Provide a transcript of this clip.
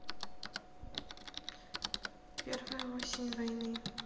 первая осень войны